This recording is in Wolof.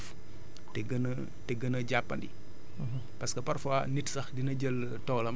mais dañ ciy tudd yi nga xamante ni moo gën a oyof te gën a te gën a jàppandi